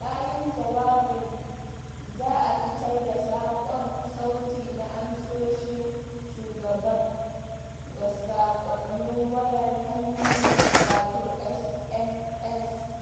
Bayan jawabin, za a fitar da saƙon sauti na amsoshin Shugaban ga sakonnin wayar hannu, wato SMS,